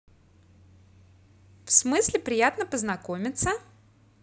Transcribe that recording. в смысле приятно познакомиться